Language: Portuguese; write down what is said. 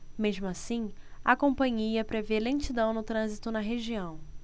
mesmo assim a companhia prevê lentidão no trânsito na região